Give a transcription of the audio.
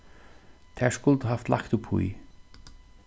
tær skuldu havt lagt uppí